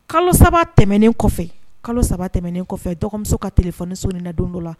Kalo saba tɛmɛnen kalo saba tɛmɛnen kɔfɛ dɔgɔmuso ka tileso na don dɔ la